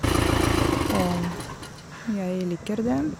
Og jeg liker den.